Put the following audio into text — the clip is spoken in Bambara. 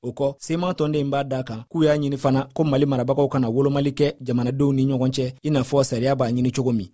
o kɔ sema tɔnden in b'a d'a kan k'u y'a ɲini fana ko mali marabagaw kana wolomalikɛ jamanadenw ni ɲɔgɔn cɛ inafɔ a sariya b'a ɲini cogo min